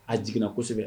A jiginna kosɛbɛ